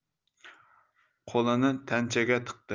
qo'lini tanchaga tiqdi